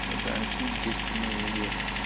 o'rganishning kestirma yo'li yo'q